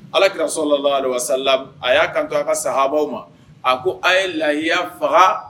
Alakira a y'a kanto a ka sahabaw ma a ko a' ye lahiya fagaa